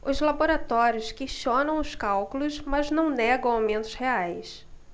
os laboratórios questionam os cálculos mas não negam aumentos reais